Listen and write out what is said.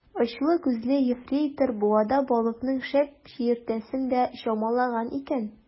Очлы күзле ефрейтор буада балыкның шәп чиертәсен дә чамалаган икән.